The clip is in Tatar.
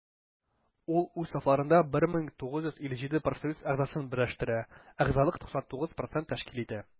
Ул үз сафларында 1257 профсоюз әгъзасын берләштерә, әгъзалык 99 % тәшкил итә.